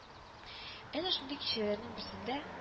Әнә шундый кичәләрнең берсендә